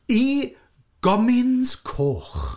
i Gomins Coch.